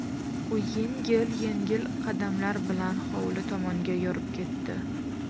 u yengil yengil qadamlar bilan hovli tomonga yurib ketdi